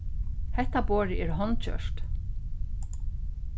hetta borðið er hondgjørt